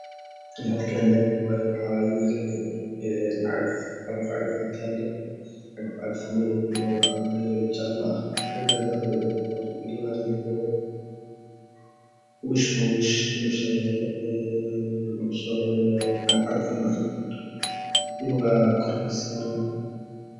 Halkaani waa laami waaye waxaa yaalo cagaf cagaf ayaa taalo oo jaalo ah waxay leedahay ilaa lix lugood. Wiishna wa yala waxuu soo qabanaya cagaf cagaf ta lugaa kor ka saaran.